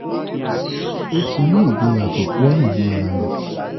"Ó ti ní ìgboyà tó pọ̀ nínú ara rẹ̀.